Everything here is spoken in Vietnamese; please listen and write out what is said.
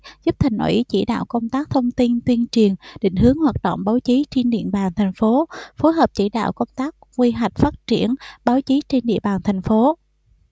giúp thành ủy chỉ đạo công tác thông tin tuyên truyền định hướng hoạt động báo chí trên địa bàn thành phố phối hợp chỉ đạo công tác quy hoạch phát triển báo chí trên địa bàn thành phố